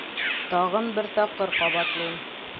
Тагын бер тапкыр кабатлыйм: